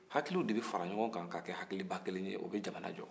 hakiliw de bɛ fara ɲɔgɔn kan ka kɛ hakiliba kelen ye o bɛ jamana jɔ